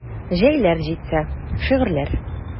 Җәйләр җитсә: шигырьләр.